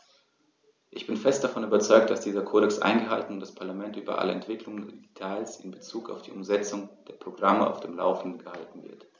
Ich bin fest davon überzeugt, dass dieser Kodex eingehalten und das Parlament über alle Entwicklungen und Details in bezug auf die Umsetzung der Programme auf dem laufenden gehalten wird.